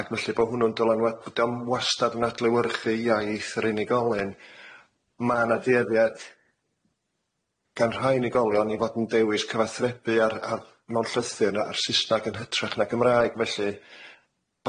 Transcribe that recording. ...ac felly bo' hwnnw'n dylanwad- bod o'm wastad yn adlewyrchu iaith yr unigolyn ma' na dueddiad gan rhai unigolion i fod yn dewis cyfathrebu ar ar mewn llythyr na a'r Sysnag yn hytrach na Gymraeg felly,